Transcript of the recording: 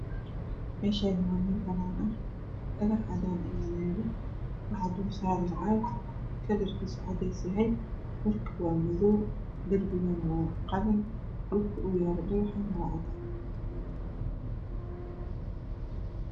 Meshani waa mel bsnan ah dhagax cadan ah ayayalo waxa dulsaran caag kalarkis cades yahay furka waa madow dirbiga waa qalin dhulka oow yali dhagax waa cadan